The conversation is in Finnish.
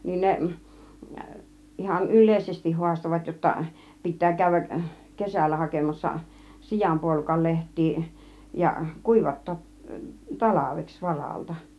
niin ne ihan yleisesti haastoivat jotta pitää käydä kesällä hakemassa sianpuolukan lehtiä ja kuivattaa talveksi varalta